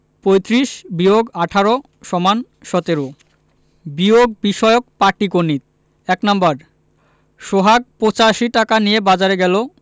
৩৫ – ১৮ = ১৭ বিয়োগ বিষয়ক পাটিগনিতঃ ১ নাম্বার সোহাগ ৮৫ টাকা নিয়ে বাজারে গেল